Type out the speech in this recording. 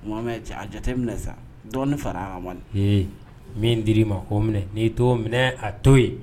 Ko mɛ cɛ a jateminɛ sa dɔn fara an ka man ee min di' ma ko minɛ n'i too minɛ a to ye